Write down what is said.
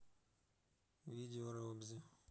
видео робзи